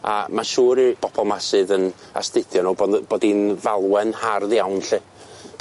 A ma' siŵr i'r bobol 'ma sydd yn astudio nw bo' nw bod 'i'n falwen hardd iawn 'lly.